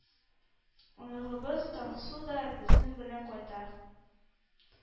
Оныгыбыз таңсу да безнең белән кайта.